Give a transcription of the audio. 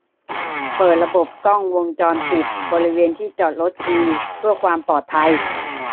เปิดระบบกล้องวงจรปิดบริเวณที่จอดรถทีเพื่อความปลอดภัย